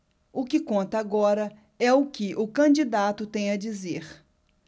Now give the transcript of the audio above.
o que conta agora é o que o candidato tem a dizer